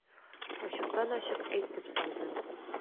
Ачыктан-ачык әйтеп салды.